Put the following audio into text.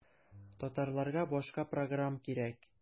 Татарларга башка программ кирәк.